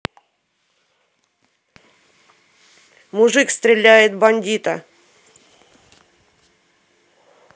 мужик стреляет бандита